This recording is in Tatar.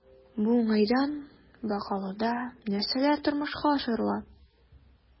Бу уңайдан Бакалыда нәрсәләр тормышка ашырыла?